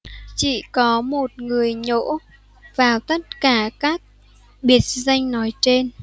chỉ có một người nhổ vào tất cả các biệt danh nói trên